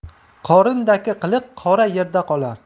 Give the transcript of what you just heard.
qorindagi qiliq qora yerda qolar